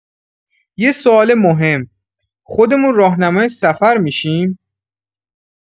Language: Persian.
یه سؤال مهم، خودمون راهنمای سفر می‌شیم؟